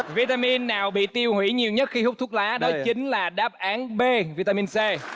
vi ta min nào bị tiêu hủy nhiều nhất khi hút thuốc lá đó chính là đáp án bê vi ta min xê